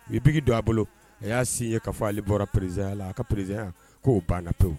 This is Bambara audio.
U ye bic don a bolo a y'a signer ka fɔ k'ale bɔra président ya la, a ka président ya k'o bana pewu.